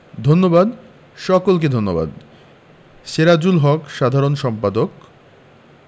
ধন্যবাদ সকলকে ধন্যবাদ সেরাজুল হক সাধারণ সম্পাদক